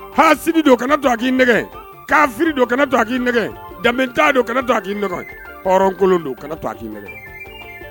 Ha don u kana to a k'i nɛgɛ' don u kana a'i nɛgɛ danbe don kana a'i nɛgɛ hɔrɔnkolon doni nɛgɛ